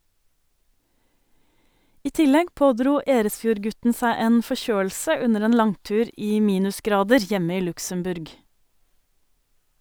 I tillegg pådro Eresfjord-gutten seg en forkjølelse under en langtur i minusgrader hjemme i Luxembourg.